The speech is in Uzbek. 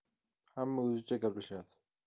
hamma o'zicha gaplashadi